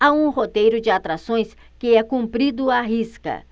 há um roteiro de atrações que é cumprido à risca